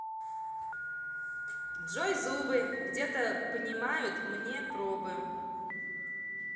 джой зубы где то поминают мне пробы